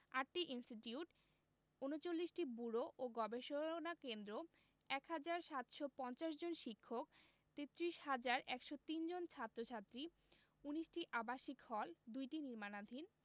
৮টি ইনস্টিটিউট ৩৯টি ব্যুরো ও গবেষণা কেন্দ্র ১ হাজার ৭৫০ জন শিক্ষক ৩৩ হাজার ১০৩ জন ছাত্র ছাত্রী ১৯টি আবাসিক হল ২টি নির্মাণাধীন